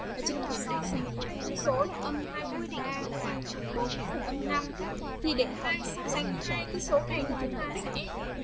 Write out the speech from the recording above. so sánh hai phân số là âm và thì để so sánh hai chữ số này thì chúng ta sẽ